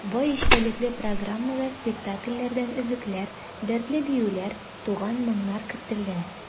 Бай эчтәлекле программага спектакльләрдән өзекләр, дәртле биюләр, туган моңнар кертелгән.